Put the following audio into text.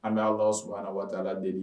An bɛ Alahu subahana wataala deli